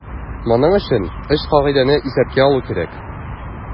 Моның өчен өч кагыйдәне исәпкә алу кирәк.